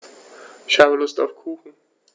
Ich habe Lust auf Kuchen.